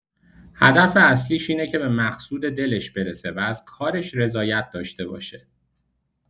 هدف اصلیش اینه که به مقصود دلش برسه و از کارش رضایت داشته باشه.